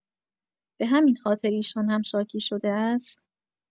به همین خاطر ایشان هم شاکی شده است؟